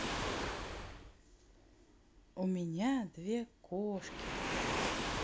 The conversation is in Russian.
у меня две кошки